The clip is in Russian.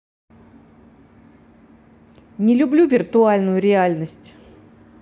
не люблю виртуальность реальность